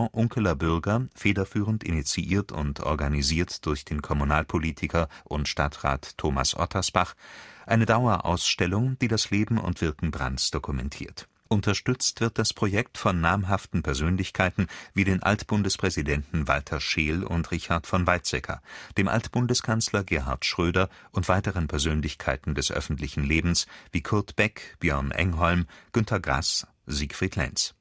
Unkeler Bürger, federführend initiiert und organisiert durch den Kommunalpolitiker und Stadtrat Thomas Ottersbach, eine Dauerausstellung, die das Leben und Wirken Brandts dokumentiert. Unterstützt wird das Projekt von namhaften Persönlichkeiten wie den Altbundespräsidenten Walter Scheel und Richard von Weizsäcker, dem Alt-Bundeskanzler Gerhard Schröder und weiteren Persönlichkeiten des öffentlichen Lebens wie Kurt Beck, Björn Engholm, Günter Grass, Siegfried Lenz